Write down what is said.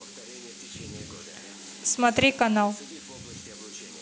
смотри канал